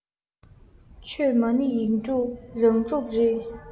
ཆོས མ ཎི ཡིག དྲུག རང གྲུབ རེད